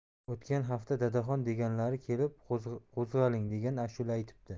o'tgan hafta dadaxon deganlari kelib qo'zg'aling degan ashula aytibdi